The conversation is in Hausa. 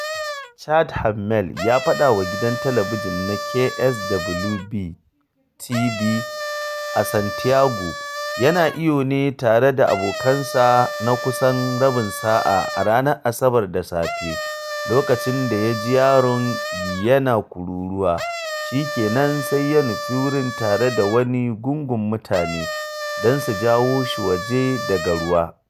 Chad Hammel ya fada wa gidan talabijin na KSWB-TV a San Diego yana iyo ne tare da abokansa na kusan rabin sa’a a ranar Asabar da safe a lokacin da ya ji yaron yana kururuwa shikenan sai ya nufi wurin tare da wani gungun mutane don su jawo shi waje daga ruwan.